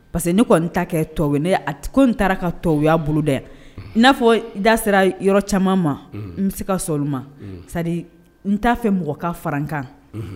Parce que ne kɔni kɛ ne ko taara ka tɔwya bolo dɛ n'a fɔ da sera yɔrɔ caman ma n bɛ se ka so ma n t'a fɛ mɔgɔ ka fararankan